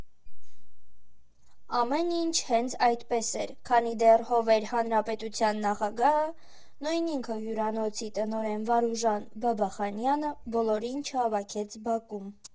Ամեն ինչ հենց այդպես էր, քանի դեռ «Հովեր» հանրապետության նախագահը, նույն ինքը՝ հյուրանոցի տնօրեն Վարուժան Բաբախանյանը բոլորին չհավաքեց բակում։